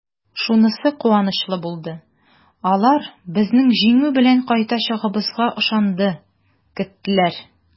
Шунысы куанычлы булды: алар безнең җиңү белән кайтачагыбызга ышанды, көттеләр!